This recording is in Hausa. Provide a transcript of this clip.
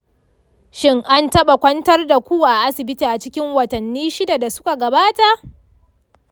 shin an taɓa kwantar da ku a asibiti a cikin watanni shida da suka gabata?